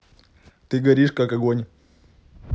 ты горишь как огонь